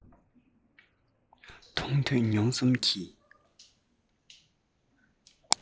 མཐོས ཐོས མྱོང གསུམ གྱི